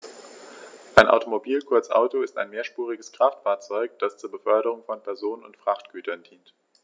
Ein Automobil, kurz Auto, ist ein mehrspuriges Kraftfahrzeug, das zur Beförderung von Personen und Frachtgütern dient.